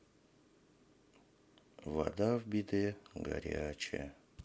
вода в биде горячая